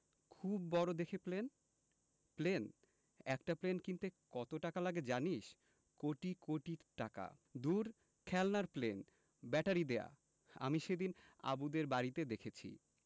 খুব বড় দেখে প্লেন প্লেন একটা প্লেন কিনতে কত টাকা লাগে জানিস কোটি কোটি টাকা দূর খেলনার প্লেন ব্যাটারি দেয়া আমি সেদিন আবুদের বাড়িতে দেখেছি